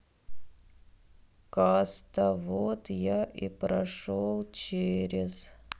каста вот я и прошел через